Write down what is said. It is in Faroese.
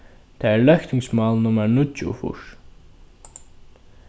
tað er løgtingsmál nummar níggjuogfýrs